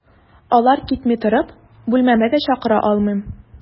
Алар китми торып, бүлмәмә дә чакыра алмыйм.